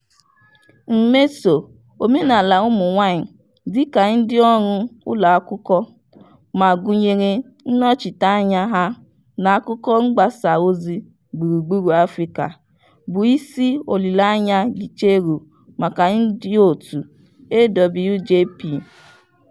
Mmeso omenala ụmụnwaanyị - dịka ndịọrụ ụlọakụkọ, ma gụnyere nnọchiteanya ha n'akụkọ mgbasaozi gburugburu Afrịka - bụ isi olileanya Gicheru maka ndịòtù AWJP.